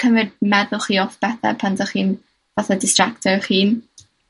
cymryd meddwl chi off betha pan 'dach chi'n fatha distracto 'ych hun.